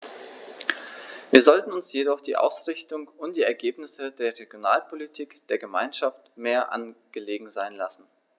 Wir sollten uns jedoch die Ausrichtung und die Ergebnisse der Regionalpolitik der Gemeinschaft mehr angelegen sein lassen.